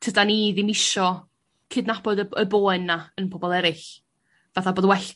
tydan ni ddim isio cydnabod y b- y boen 'na yn pobol eryll fatha bod well